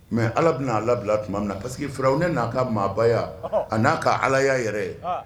Mɛ ala bɛ n'a labila tuma min na kasi fɛrɛ u ne n'a ka maaba a n'a ka alaya yɛrɛ ye